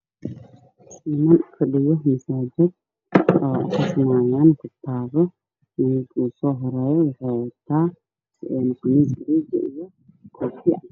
Niman fadhiyo masaajid oo akhrisanayaan kutub ninka uu soo horreeyay wuxuu wataa khamiis buluug iyo koofi cad